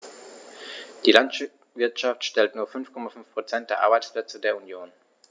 Die Landwirtschaft stellt nur 5,5 % der Arbeitsplätze der Union.